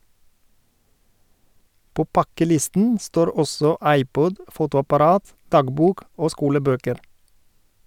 På pakkelisten står også iPod, fotoapparat, dagbok - og skolebøker.